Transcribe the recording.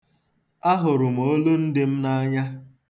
Ahụrụ m olundị m n'anya.